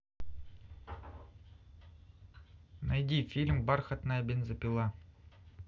найди фильм бархатная бензопила